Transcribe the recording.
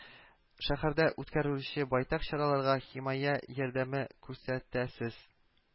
Шәһәрдә үткәрелүче байтак чараларга химая ярдәме күрсәтәсез